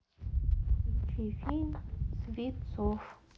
включи фильм свицов